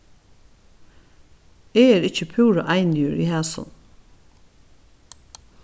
eg eri ikki púra einigur í hasum